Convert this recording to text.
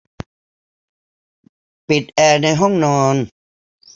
ปิดแอร์ในห้องนอน